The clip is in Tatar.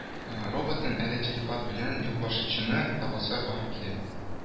Роботның әле телепат белән юлбашчыны табасы бар иде